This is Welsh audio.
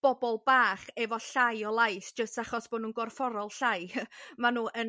bobol bach efo llai o lais jyst achos bo n'w'n gorfforol llai ma' n'w yn